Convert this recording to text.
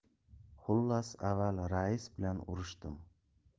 xullas avval rais bilan urishdim